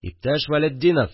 – иптәш вәлетдинов